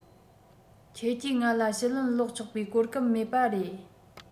ཁྱེད ཀྱིས ང ལ ཞུ ལན བསློགས ཆོག པའི གོ སྐབས མེད པ རེད